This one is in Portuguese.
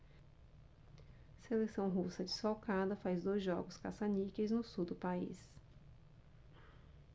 seleção russa desfalcada faz dois jogos caça-níqueis no sul do país